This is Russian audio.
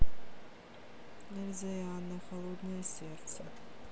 эльза и анна холодное сердце